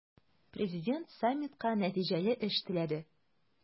Президент саммитка нәтиҗәле эш теләде.